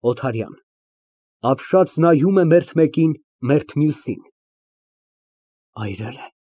ՕԹԱՐՅԱՆ ֊ (Ապշած նայում է մերթ մեկին, մերթ մյուսին) Այրե՞լ է։